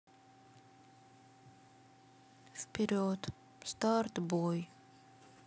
вперед стратбой